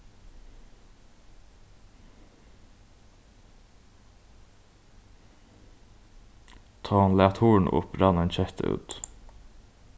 tá hon læt hurðina upp rann ein ketta út